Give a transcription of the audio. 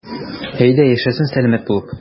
Әйдә, яшәсен сәламәт булып.